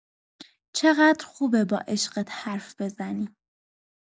چقدر خوبه با عشقت حرف بزنی!